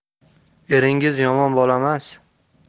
eringiz yomon bolamas